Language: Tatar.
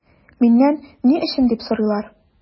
Миннән “ни өчен” дип сорыйлар.